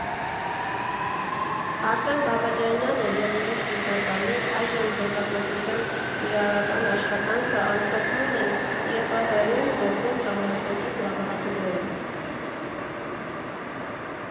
Արսեն Բաբաջանյանը և ուրիշ գիտնականներ այժմ հետազոտության կիրառական աշխատանքը անցկացնում են ԵՊՀ֊ում գործող ժամանակակից լաբորատորիայում։